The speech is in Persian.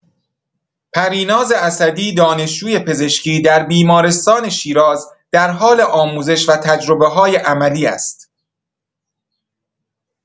پریناز اسدی، دانشجوی پزشکی، در بیمارستان شیراز در حال آموزش و تجربه‌های عملی است.